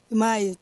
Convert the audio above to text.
N ma ye.